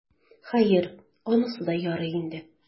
Хәер, анысы да ярый инде.